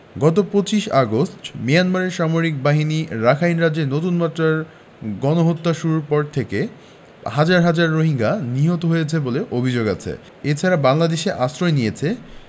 গত ২৫ August Myanmar সামরিক বাহিনী রাখাইন রাজ্যে নতুন মাত্রায় গণহত্যা শুরুর পর থেকে হাজার হাজার রোহিঙ্গা নিহত হয়েছে বলে অভিযোগ আছে এ ছাড়া বাংলাদেশে আশ্রয় নিয়েছে